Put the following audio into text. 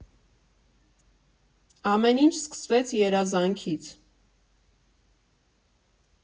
Ամեն ինչ սկսվեց երազանքից։